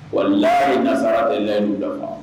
Walalayi nasara e' la